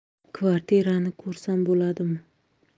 kvartirani ko'rsam bo'ladimi